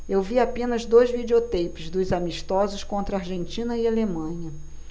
eu vi apenas dois videoteipes dos amistosos contra argentina e alemanha